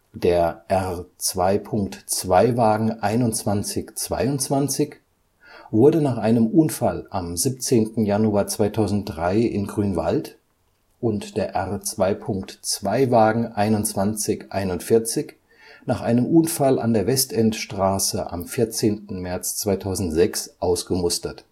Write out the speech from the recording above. Der R-2.2-Wagen 2122 wurde nach einem Unfall am 17. Januar 2003 in Grünwald und der R-2.2-Wagen 2141 nach einem Unfall an der Westendstraße am 14. März 2006 ausgemustert